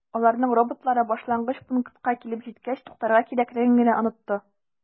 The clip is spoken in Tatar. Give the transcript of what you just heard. Аларның роботлары башлангыч пунктка килеп җиткәч туктарга кирәклеген генә “онытты”.